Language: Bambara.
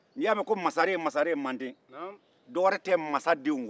n'i y'a mɛn ko masaren masaren mande dɔwɛrɛ tɛ masadenw kɔ